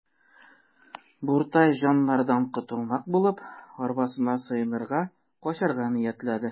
Буртай жандардан котылмак булып, арбасына сыенырга, качарга ниятләде.